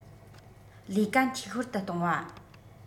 ལས ཀ འཐུས ཤོར དུ གཏོང བ